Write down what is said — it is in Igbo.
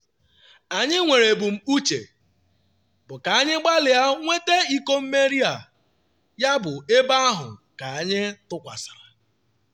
Anyị nwere ebumnuche, bụ ka anyị gbalịa nweta iko mmeri a, ya bụ ebe ahụ ka anya anyị tụkwasara.